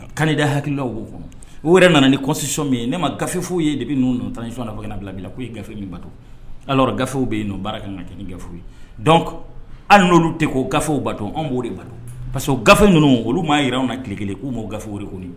Kanda hakililaw' kɔnɔ o yɛrɛ nana ni kosion min ye ne ma gafe foyi ye de bɛ n tan fo ɲɛna bila' la k' ye gafe min bato ala gafew bɛ yen baara kan ka kɛ gafu dɔn hali n'olu tɛ' gafew bato anw b'o de ba parce que gafe ninnu olu' jira an na g kelen k'' gafew de kɔni